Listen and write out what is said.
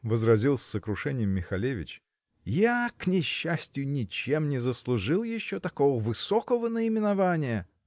-- возразил с сокрушеньем Михалевич, -- я, к несчастью, ничем не заслужил еще такого высокого наименования.